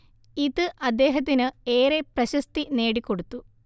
ഇത് അദ്ദേഹത്തിന് ഏറെ പ്രശസ്തി നേടിക്കൊടുത്തു